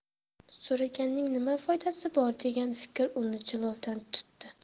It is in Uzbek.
so'raganining nima foydasi bor degan fikr uni jilovdan tutdi